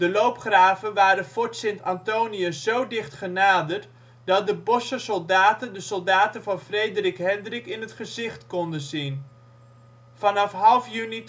loopgraven waren Fort Sint-Anthonie zo dicht genaderd dat de Bossche soldaten de soldaten van Frederik Hendrik in het gezicht konden zien. Vanaf half juni